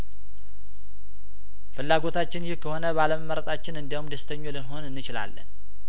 ፍላጐታችን ይህ ከሆነ ባለመ መረጣችን እንዲያውም ደስተኞች ልንሆን እንችላለን